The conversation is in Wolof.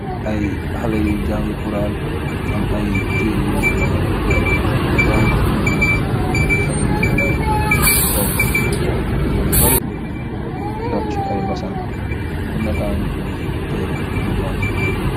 Ay xalé yuy jang kuraan am ay tiire yuñ ibi di jang ay xale yu góor tokk ñëm ña bari tokk ci ay basaan ku nekka ngi udi tiir di jàng.